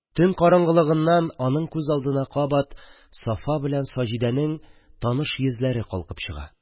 Төн караңгылыгыннан аның күз алдына кабат Сафаның һәм Саҗидәнең таныш йөзләре калкып чыга.